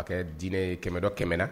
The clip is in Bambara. A kɛ dinɛ ye kɛmɛ dɔ kɛmɛɛna